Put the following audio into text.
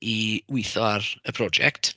I weitho ar y prosiect .